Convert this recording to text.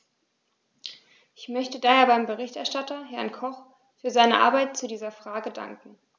Ich möchte daher dem Berichterstatter, Herrn Koch, für seine Arbeit zu dieser Frage danken.